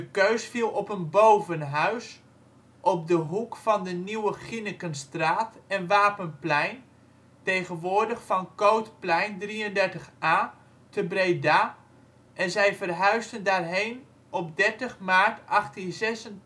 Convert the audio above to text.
keus viel op een bovenhuis op de hoek van de Nieuwe Ginnekenstraat en Wapenplein (tegenwoordig Van Coothplein 33 A) te Breda en zij verhuisden daarheen op 30 maart 1886